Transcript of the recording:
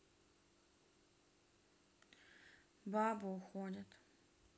баба уходит